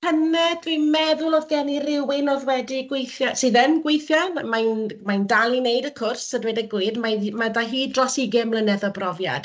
llynedd dwi'n meddwl oedd gen i rywun oedd wedi gweithio... sydd yn gweithio, mae'n mae'n dal i wneud y cwrs a dweud y gwir. Mae hi... mae 'da hi dros ugain mlynedd o brofiad.